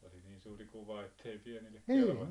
oli niin suuri kuva että ei pienille kelvannut